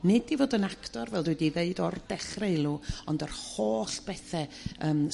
nid i fod yn actor fel dwi di dd'eud o'r dechre ulw ond yr holl bethau yrm